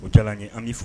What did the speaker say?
O tɛ an bɛ furu